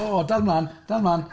O, dal mlaen, dal mlaen.